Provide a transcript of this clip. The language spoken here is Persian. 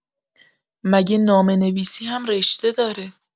مگه نامه‌نویسی هم‌رشته داره؟